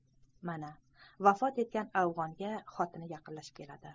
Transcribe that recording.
mana vafot etgan afg'onga xotini yaqinlashib keladi